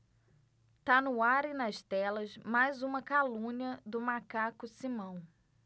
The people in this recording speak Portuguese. tá no ar e nas telas mais uma calúnia do macaco simão